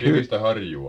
kivistä harjua